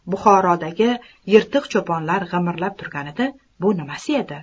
buxorodagi yirtiq choponlar g'imirlab turganda bu nimasi edi